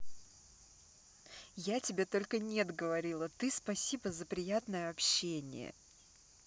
я тебя только нет говорила ты спасибо за приятное общение